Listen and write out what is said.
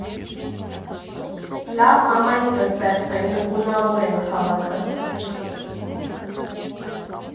Լավ համայնք կստեղծենք, կգունավորենք քաղաքը։